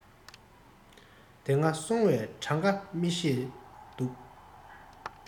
དེ སྔ སོང བའི གྲངས ཀ མི ཤེས འདུག